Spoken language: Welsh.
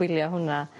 gwylio hwnna